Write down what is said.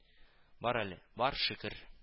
Бар әле, бар, шөкер